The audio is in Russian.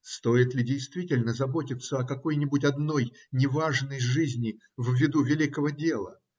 Стоит ли действительно заботиться о какой-нибудь одной неважной жизни в виду великого дела!